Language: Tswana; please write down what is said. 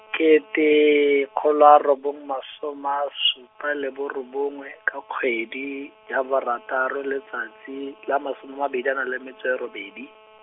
kete kgolo a robongwe masome a supa le bo robongwe, ka kgwedi, ya borataro letsatsi, la masoma a mabedi a nang le metso e robedi.